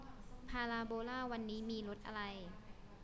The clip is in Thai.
พาราโบลาวันนี้มีรสอะไร